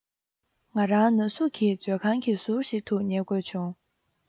ང རང ན ཟུག གིས མཛོད ཁང གི ཟུར ཞིག ཏུ ཉལ དགོས བྱུང